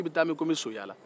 u ko i be taa min